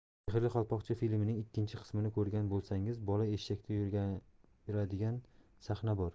sehrli qalpoqcha filmining ikkinchi qismini ko'rgan bo'lsangiz bola eshakda yuradigan sahna bor